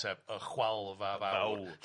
sef y chwalfa fawr